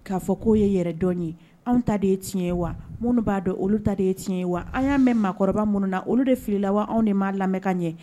K'a fɔ k'o ye yɛrɛdɔn ye anw ta de ye tiɲɛ ye wa minnu b'a dɔn olu ta de ye tiɲɛ ye wa an y'an mɛn mɔgɔkɔrɔba minnu na olu de fili la wa anw de maaa lamɛn ka ɲɛ